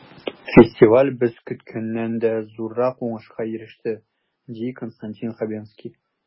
Фестиваль без көткәннән дә зуррак уңышка иреште, ди Константин Хабенский.